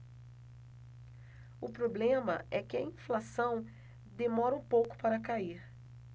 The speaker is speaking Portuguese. o problema é que a inflação demora um pouco para cair